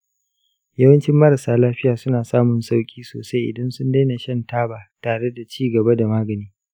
yawancin marasa lafiya suna samun sauƙi sosai idan sun daina shan taba tare da ci gaba da magani.